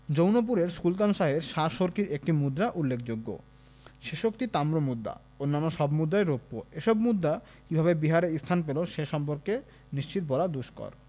জৌনপুরের সুলতান হোসেন শাহ শর্কীর একটি মুদ্রা উল্লেখযোগ্য শেষোক্তটি তাম্রমুদ্রা অন্যান্য সব মুদ্রাই রৌপ্য এসব মুদ্রা কিভাবে বিহারে স্থান পেল সে সম্পর্কে নিশ্চিত বলা দুষ্কর